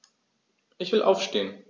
Ich will aufstehen.